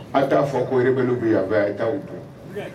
A ye taa fɔ ko rebelle u bɛ yanfɛ aye taa u dun huŋɛ